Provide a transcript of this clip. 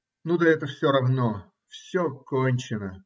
Ну, да это все равно. Все кончено